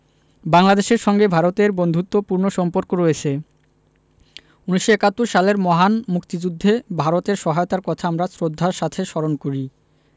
বাংলাদেশের সঙ্গে ভারতের বন্ধুত্তপূর্ণ সম্পর্ক রয়ছে ১৯৭১ সালের মহান মুক্তিযুদ্ধে ভারতের সহায়তার কথা আমরা শ্রদ্ধার সাথে স্মরণ করি